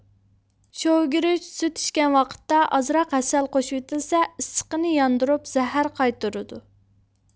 شوۋىگۈرۈچ سۈت ئىچكەن ۋاقىتتا ئازراق ھەسەل قوشۇۋېتىلسە ئىسسىقىنى ياندۇرۇپ زەھەر قايتۇرىدۇ